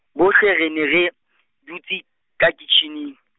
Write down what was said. bohle re ne re , dutse, ka kitjhineng.